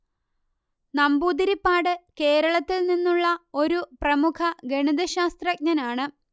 നമ്പൂതിരിപ്പാട് കേരളത്തിൽ നിന്നുള്ള ഒരു പ്രമുഖ ഗണീതശാസ്ത്രജ്ഞനാണ്